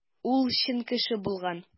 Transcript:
Ул чын кеше булган.